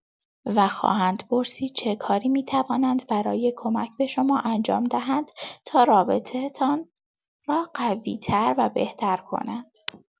و خواهند پرسید چه کاری می‌توانند برای کمک به شما انجام دهند تا رابطه‌تان را قوی‌تر و بهتر کنند.